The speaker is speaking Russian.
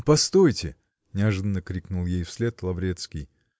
-- Постойте, -- неожиданно крикнул ей вслед Лаврецкий.